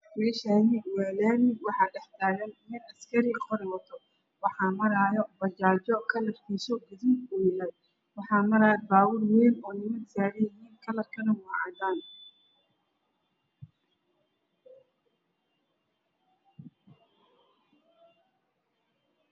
Meeshaan waa laami waxaa dhex taagan nin askari qori wato waxaa maraayo bajaajyo kalarkiisu uu yahay gaduud. Waxaa maraayo baabuur wayn oo niman saaran yihiin kalarkiisu waa cadaan.